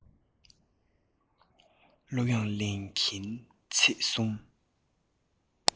གླུ དབྱངས ལེན གྱིན ཚེས གསུམ